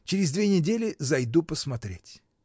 Через две недели зайду посмотреть.